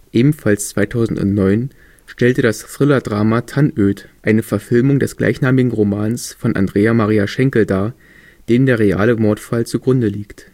Ebenfalls 2009 stellte das Thrillerdrama Tannöd eine Verfilmung des gleichnamigen Romans von Andrea Maria Schenkel dar, dem der reale Mordfall zugrunde liegt